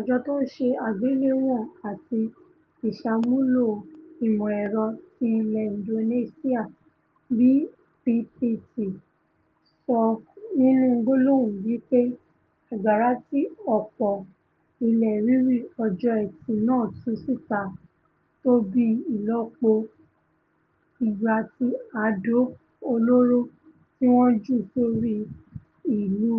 Àjọ tó Ńse Àgbéléwọ̀n àti Ìsàmúlò Ìmọ̀-ẹ̀rọ ti ilẹ̀ Indonesia (BPPT) sọ nínú gbólóhùn wí pé agbára tí ọ̀pọ̀ ilẹ̀-rírì ọjọ́ Ẹtì náà tú síta tó bíi i̇̀lopọ̀ igba ti àdó-olóró tí wọ́n jù sórí ìlú